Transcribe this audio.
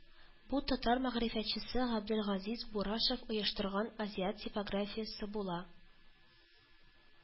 Бу татар мәгърифәтчесе Габделгазиз Бурашев оештырган Азиат типографиясе була